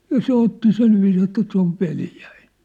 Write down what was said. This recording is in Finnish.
ja se otti sillä viisiin että se on veljeni